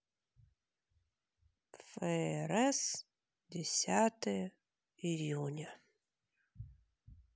фрс десятое июня